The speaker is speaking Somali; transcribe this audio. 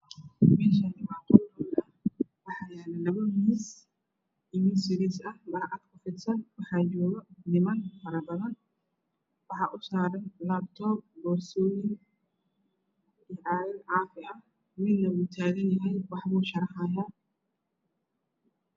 Meshani waa qol hool ah waxaa yala laba miis iyo miis yariis ah oo mara cad ku fidsan waxaa joogo niman fara badan waxaa usaaran labtokb borsooyin iyo cagad cafi ah wiil na wuu tagan yahay waxbuu sharxaaya